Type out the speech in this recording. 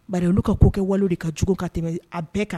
Baro olu ka'o kɛ wale de ka jugu ka tɛmɛ a bɛɛ kan